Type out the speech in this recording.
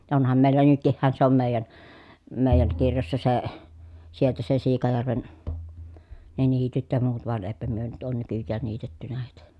ja onhan meillä nytkinhän se on meidän meidän kirjoissa se sieltä se Siikajärven ne niityt ja muut vaan eipä me nyt ole nykyään niitetty heitä